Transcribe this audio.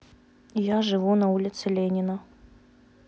я живу на улице ленина